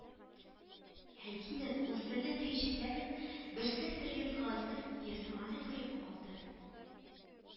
Һәм кинәт ул серле төенчекләрнең берсен төргән кәгазьнең ертылганын күреп алды